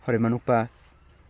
Oherwydd mae'n rywbeth...